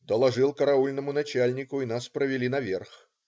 Доложил караульному начальнику, и нас провели наверх.